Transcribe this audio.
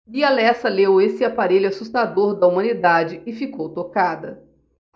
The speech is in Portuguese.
bia lessa leu esse espelho assustador da humanidade e ficou tocada